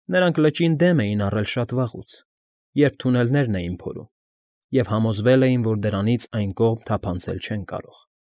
Նրանք լճին դեմ էին առել շատ վաղուց, երբ թունելներ էին փորում, և համոզվել էին, որ դրանից այն կողմ թափանցել չեն կարող։